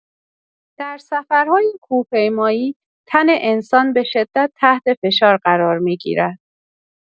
در سفرهای کوهپیمایی، تن انسان به‌شدت تحت فشار قرار می‌گیرد.